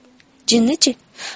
jinni chi